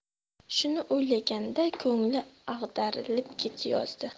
shuni o'ylaganida ko'ngli ag'darilib ketayozdi